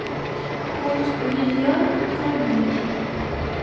мультик обезьянка и грабитель